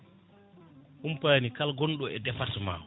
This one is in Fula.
humpani kala gonɗo e département o